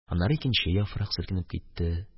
Аннары икенче яфрак селкенеп китте